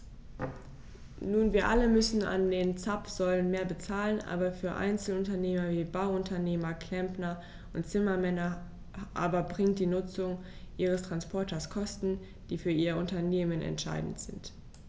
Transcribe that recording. Nun wir alle müssen an den Zapfsäulen mehr bezahlen, aber für Einzelunternehmer wie Bauunternehmer, Klempner und Zimmermänner aber birgt die Nutzung ihres Transporters Kosten, die für ihr Unternehmen entscheidend sind.